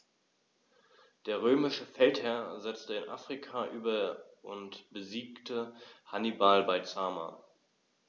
Der römische Feldherr setzte nach Afrika über und besiegte Hannibal bei Zama.